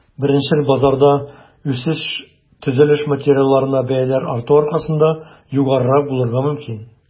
Беренчел базарда үсеш төзелеш материалларына бәяләр арту аркасында югарырак булырга мөмкин.